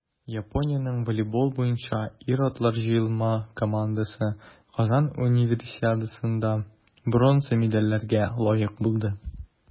Япониянең волейбол буенча ир-атлар җыелма командасы Казан Универсиадасында бронза медальләргә лаек булды.